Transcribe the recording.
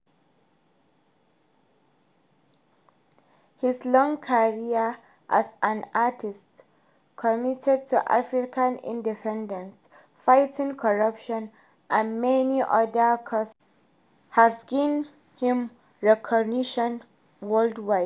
His long career as an artist committed to African independence, fighting corruption, and many other causes has gained him recognition worldwide.